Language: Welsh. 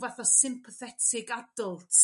fath o sympathetic adult